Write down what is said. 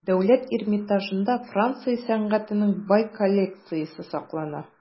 Дәүләт Эрмитажында Франция сәнгатенең бай коллекциясе саклана.